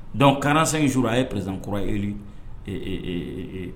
Dɔnkuc kaanasan inur a ye perezkura